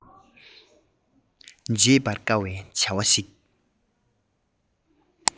བརྗེད པར དཀའ བའི བྱ བ གཅིག